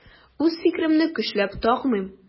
Үз фикеремне көчләп такмыйм.